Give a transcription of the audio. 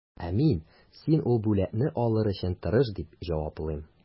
Ә мин, син ул бүләкне алыр өчен тырыш, дип җаваплыйм.